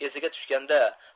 esiga tushganda